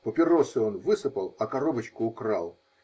папиросы он высыпал, а коробочку украл